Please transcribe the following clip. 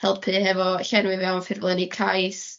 helpu hefo llenwi fewn ffurflenni cais.